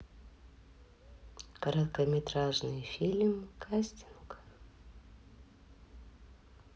короткометражный фильм кастинг